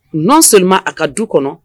N nɔ sɔnlima a ka du kɔnɔ